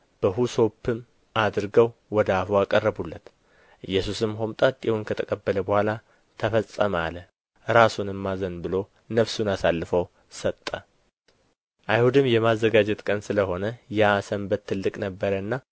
በሁሶፕም አድርገው ወደ አፉ አቀረቡለት ኢየሱስም ሆምጣጤውን ከተቀበለ በኋላ ተፈጸመ አለ ራሱንም አዘንብሎ ነፍሱን አሳልፎ ሰጠ አይሁድም የማዘጋጀት ቀን ስለ ሆነ ያ ሰንበት ትልቅ ነበረና